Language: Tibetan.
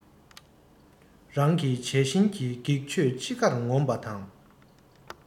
རང གི བྱད བཞིན གྱི སྒེག ཆོས ཅི འགར ངོམ པ དང